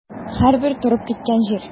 Һәрбер торып киткән җир.